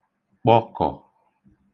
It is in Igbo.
kpọkọ̀